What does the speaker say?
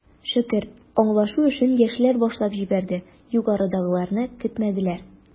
Шөкер, аңлашу эшен, яшьләр башлап җибәрде, югарыдагыларны көтмәделәр.